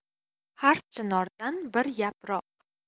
har chinordan bir yaproq